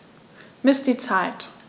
Miss die Zeit.